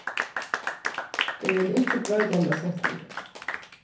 eg vil ikki broyta hendan setningin